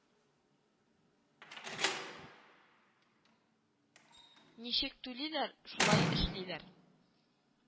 Ничек түлиләр, шулай эшлиләр